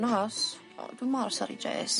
O dwi mor sori Jase.